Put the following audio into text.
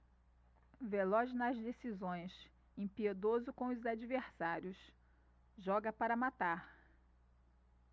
veloz nas decisões impiedoso com os adversários joga para matar